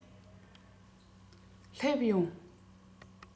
སླེབས ཡོང